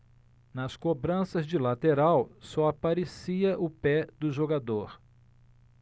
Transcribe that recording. nas cobranças de lateral só aparecia o pé do jogador